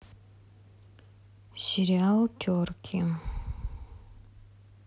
сериал терки